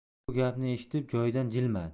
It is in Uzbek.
bu gapni eshitib joyidan jilmadi